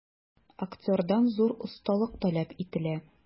Актердан зур осталык таләп ителә.